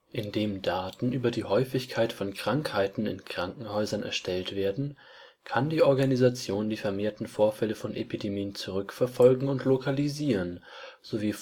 Indem Daten über die Häufigkeit von Krankheiten in Krankenhäusern erstellt werden, kann die Organisation die vermehrten Vorfälle von Epidemien zurückverfolgen und lokalisieren sowie